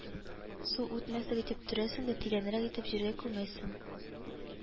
Су үтмәслек итеп төрәсең дә тирәнрәк итеп җиргә күмәсең